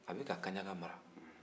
a beka kaɲaga mara